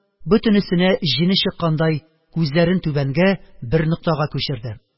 Бөтенесенә җене чыккандай, күзләрен түбәнгә – бер ноктага күчерде